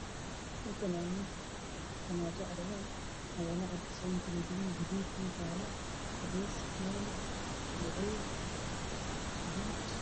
Waa tukaan waxaa lagu iibinayaa dhar